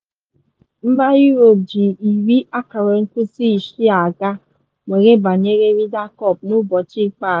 Mba Europe ji 10-6 aga, were banye Ryder Cup n’ụbọchị ikpeazụ